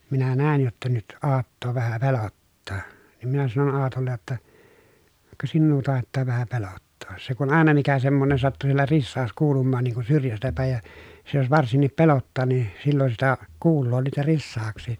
minä näin jotta nyt Aattoa vähän pelottaa niin minä sanoin Aatolle jotta ka sinua taitaa vähän pelottaa se kun aina mikä semmoinen sattui siellä risaus kuulumaan niin kuin syrjästä päin ja se jos varsinkin pelottaa niin silloin sitä kuulee niitä risauksia